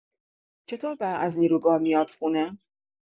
چطور برق از نیروگاه میاد خونه؟